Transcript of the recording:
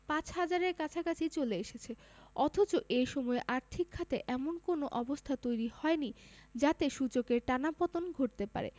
৫ হাজারের কাছাকাছি চলে এসেছে অথচ এ সময়ে আর্থিক খাতে এমন কোনো অবস্থা তৈরি হয়নি যাতে সূচকের টানা পতন ঘটতে পারে